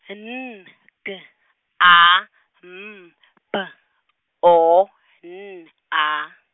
N, G, A, M, B, O, N, A.